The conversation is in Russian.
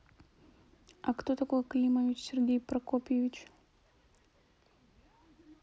а кто такой климович сергей прокопьевич